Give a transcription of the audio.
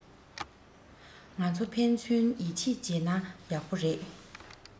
ང ཚོ ཕན ཚུན ཡིད ཆེད བྱེད ན ཡག པོ རེད